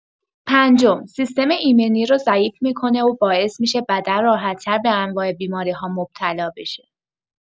پنجم، سیستم ایمنی رو ضعیف می‌کنه و باعث می‌شه بدن راحت‌تر به انواع بیماری‌ها مبتلا بشه.